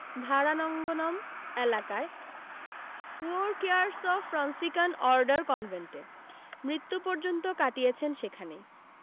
ভারানঙ্গনম এলাকায় Poor Clares of Franciscan Order কনভেন্টে মৃত্যু পর্যন্ত কাটিয়েছেন সেখানেই